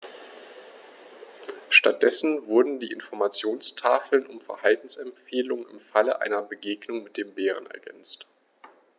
Stattdessen wurden die Informationstafeln um Verhaltensempfehlungen im Falle einer Begegnung mit dem Bären ergänzt.